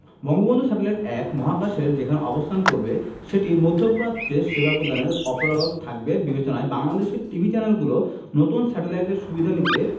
Bangabandhu satellite ১ মহাকাশের যেখানে অবস্থান করবে সেটি মধ্যপ্রাচ্যে সেবা প্রদানে অপারগ থাকবে বিবেচনায় বাংলাদেশের টিভি চ্যানেলগুলো নতুন স্যাটেলাইটের সুবিধা নিতে